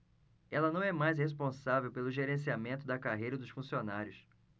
ela não é mais responsável pelo gerenciamento da carreira dos funcionários